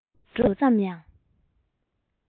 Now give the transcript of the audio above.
འགྲམ དུ འགྲོ བསམ ཡང